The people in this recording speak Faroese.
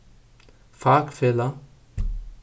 fakfelag